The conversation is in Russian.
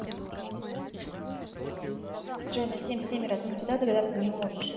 джой на семь семеро а ты никогда дагадаться не можешь